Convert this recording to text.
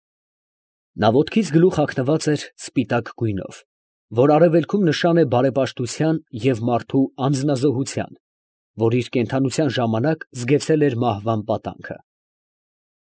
Նա ոտքից գլուխ հագնված էր սպիտակ գույնով, որ արևելքում նշան է բարեպաշտության և մարդու անձնազոհության, որ իր կենդանության ժամանակ զգեցել էր մահվան պատանքը։